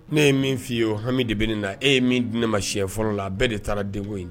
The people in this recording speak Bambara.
Ne ye min f'i ye o hami de bɛ nin na e ye min di ne ma siɲɛ fɔlɔ la bɛɛ de taara denko in